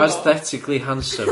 Aesthetically handsome.